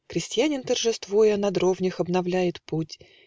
Крестьянин, торжествуя, На дровнях обновляет путь